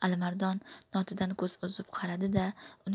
alimardon notadan ko'z uzib qaradi da